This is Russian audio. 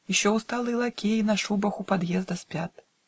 Еще усталые лакеи На шубах у подъезда спят